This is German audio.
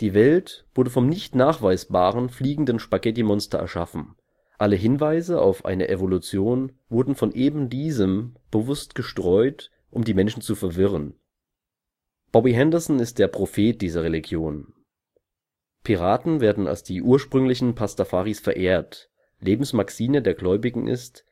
Welt wurde vom nicht nachweisbaren Fliegenden Spaghettimonster erschaffen. Alle Hinweise auf eine Evolution wurden von ebendiesem bewusst gestreut, um die Menschen zu verwirren. Bobby Henderson ist der Prophet dieser Religion. Piraten werden als die ursprünglichen Pastafaris verehrt. Lebensmaxime der Gläubigen ist